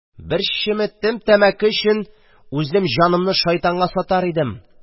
– бер чеметем тәмәке өчен үзем җанымны шайтанга сатар идем..